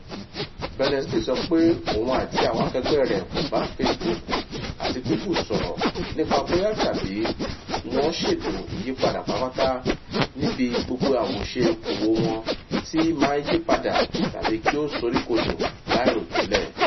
Berners-Lee sọ pé òun àti àwọn akẹgbẹ́ rẹ̀ kò bá “Facebook àti Google” sọ̀rọ̀ nípa bóyá tàbí ki wọ́n ṣètò ìyípadà pátápátá níbi gbogbo àwòṣe òkòwò wọn tí máa yípadà tàbí kí ó soríkodò láìròtẹ́lẹ̀.